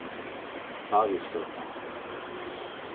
davidsgøta